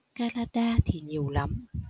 canada thì nhiều lắm